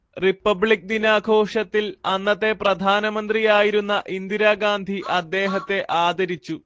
republic ദിനാഘോഷത്തിൽ അന്നത്തെ പ്രധാനമന്ത്രിയായിരുന്ന ഇന്ദിരാഗാന്ധി അദ്ദേഹത്തെ ആദരിച്ചു